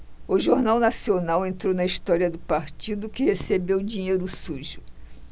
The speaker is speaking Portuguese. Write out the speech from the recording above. o jornal nacional entrou na história do partido que recebeu dinheiro sujo